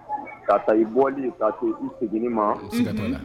Ka ta i bɔli ka se i seginni maa siga t'a la unhun